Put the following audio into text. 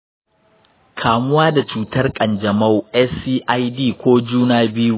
kamuwa da cutar ƙanjamau, scid ko juna biyu.